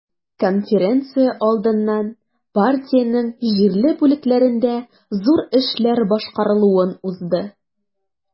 Конференция алдыннан партиянең җирле бүлекләрендә зур эшләр башкарылуын узды.